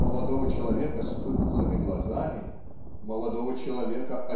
молодого человека с выпуклыми глазами молодого человека